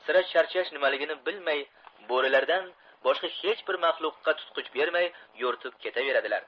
sira charchash nimaligiii bilmay bo'rilardan boshqa hech bir mahluqqa tutqich bermay yo'rtib ketaveradilar